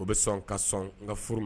O bɛ sɔn ka sɔn n ka furu ma